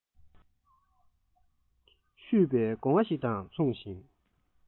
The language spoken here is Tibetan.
བཤུས བའི སྒོང ང ཞིག དང མཚུངས ཤིང